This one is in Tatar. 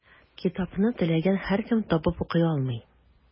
Китапны теләгән һәркем табып укый алмый.